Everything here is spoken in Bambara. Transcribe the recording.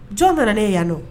Jɔn nana ne yan don